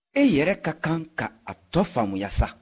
e yɛrɛ ka kan ka a tɔ faamuya sa